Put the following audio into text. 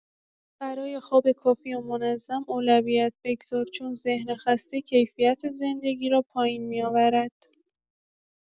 برای خواب کافی و منظم اولویت بگذار چون ذهن خسته کیفیت زندگی را پایین می‌آورد.